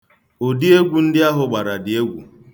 Ụdị egwu ndị ahụ gbara dị egwu.